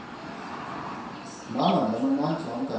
мама для мамонтенка